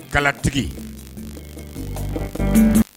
Kalatigi